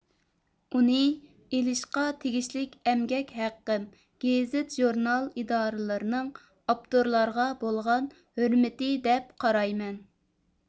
ئۇنى ئېلىشقا تېگىشلىك ئەمگەك ھەققىم گېزىت ژۇرنال ئىدارىلىرىنىڭ ئاپتورلارغا بولغان ھۆرمىتى دەپ قارايمەن